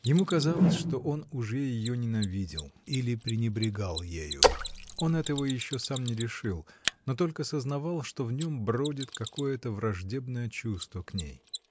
Ему казалось, что он уже ее ненавидел или пренебрегал ею: он этого еще сам не решил, но только сознавал, что в нем бродит какое-то враждебное чувство к ней.